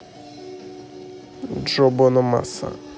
джо бонамасса